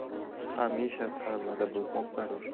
hamisha tavbada bo'lmoq zarur